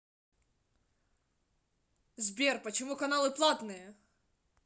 сбер почему каналы платные